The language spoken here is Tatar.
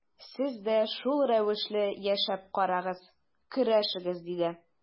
Сез дә шул рәвешле яшәп карагыз, көрәшегез, диде.